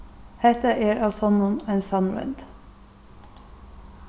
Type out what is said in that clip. hetta er av sonnum ein sannroynd